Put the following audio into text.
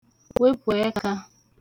wepụ̀ ẹkā